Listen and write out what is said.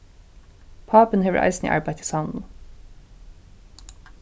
pápin hevur eisini arbeitt í savninum